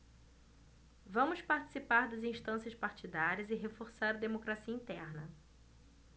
vamos participar das instâncias partidárias e reforçar a democracia interna